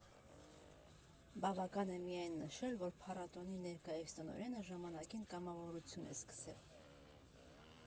Բավական է միայն նշել, որ փառատոնի ներկայիս տնօրենը ժամանակին կամավորությունից է սկսել։